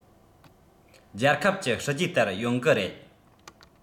རྒྱལ ཁབ ཀྱི སྲིད ཇུས ལྟར ཡོང གི རེད